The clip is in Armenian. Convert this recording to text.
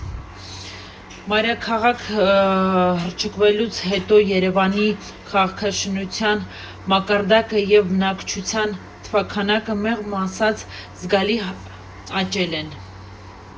Մայրաքաղաք հռչակվելուց հետո Երևանի քաղաքաշինության մակարդակը և բնակչության թվաքանակը, մեղմ ասած, զգալիորեն աճել են։